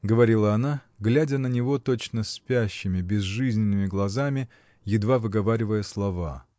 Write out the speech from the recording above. — говорила она, глядя на него точно спящими, безжизненными глазами, едва выговаривая слова.